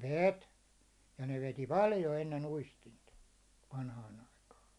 veti ja ne veti paljon ennen uistinta vanhaan aikaa